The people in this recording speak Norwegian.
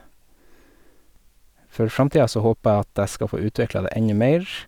For framtida så håper jeg at jeg skal få utvikla det ennå mer.